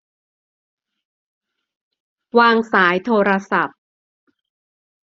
วางสายโทรศัพท์